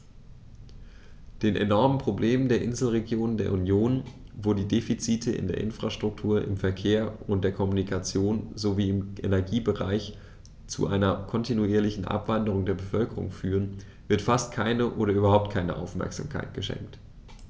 Den enormen Problemen der Inselregionen der Union, wo die Defizite in der Infrastruktur, im Verkehr, in der Kommunikation sowie im Energiebereich zu einer kontinuierlichen Abwanderung der Bevölkerung führen, wird fast keine oder überhaupt keine Aufmerksamkeit geschenkt.